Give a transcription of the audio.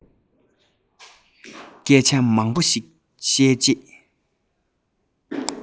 སྐད ཆ མང པོ ཞིག བཤད རྗེས